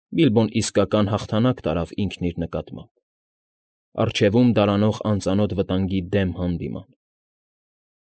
Բիլբոն իսկական հաղթանակ տարավ ինքն իր նկատմամբ, առջևում դարանող անծանոթ վտանգի դեմ հանդիման։